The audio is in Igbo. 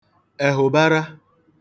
ẹ̀hùbara